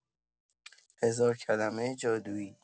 هزار کلمه جادویی